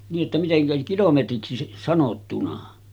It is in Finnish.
niin että miten kilometriksi sanottuna